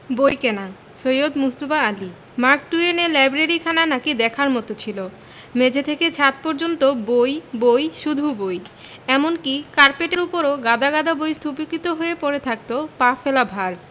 বইকেনা Syed Mujtaba Ali Mark টুয়েনের লাইব্রেরিখানা নাকি দেখার মত ছিল মেঝে থেকে ছাত পর্যন্ত বই বই শুধু বই এমনকি কার্পেটের উপরও গাদা গাদা বই স্তূপীকৃত হয়ে পড়ে থাকত পা ফেলা ভার